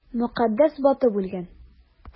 Мөкаддәс батып үлгән!